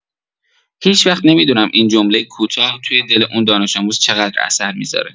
هیچ‌وقت نمی‌دونم این جملۀ کوتاه، توی دل اون دانش‌آموز چقدر اثر می‌ذاره.